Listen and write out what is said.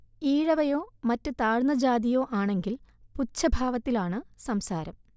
ഈഴവയോ മറ്റ് താഴ്ന്ന ജാതിയോ ആണെങ്കിൽ പുച്ഛഭാവത്തിലാണ് സംസാരം